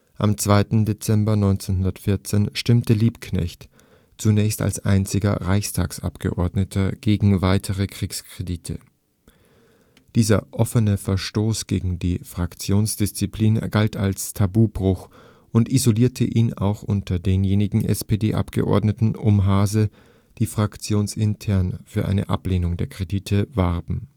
Am 2. Dezember 1914 stimmte Liebknecht, zunächst als einziger Reichstagsabgeordneter, gegen weitere Kriegskredite. Dieser offene Verstoß gegen die Fraktionsdisziplin galt als Tabubruch und isolierte ihn auch unter denjenigen SPD-Abgeordneten um Haase, die fraktionsintern für eine Ablehnung der Kredite warben